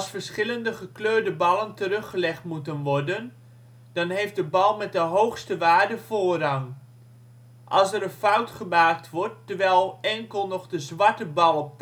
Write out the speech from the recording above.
verschillende gekleurde ballen teruggelegd moeten worden, dan heeft de bal met de hoogste waarde voorrang. Als er een fout gemaakt wordt terwijl enkel nog de zwarte bal